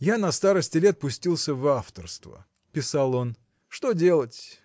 Я, на старости лет, пустился в авторство, – писал он, – что делать